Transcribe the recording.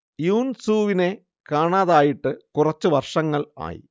യൂൻസൂവിനെ കാണാതായിട്ട് കുറച്ചു വർഷങ്ങൾ ആയി